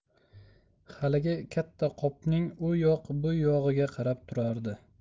haligi katta qopning u yoq bu yog'iga qarab turardi